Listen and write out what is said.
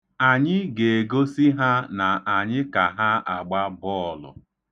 Anyị ga-egosi ha na anyị ka ha agba bọọlụ.